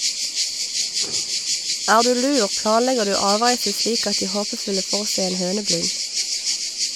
Er du lur, planlegger du avreise slik at de håpefulle får seg en høneblund.